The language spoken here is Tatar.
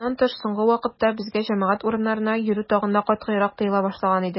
Моннан тыш, соңгы вакытта безгә җәмәгать урыннарына йөрү тагын да катгыйрак тыела башлаган иде.